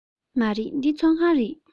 མ རེད འདི ཚོང ཁང རེད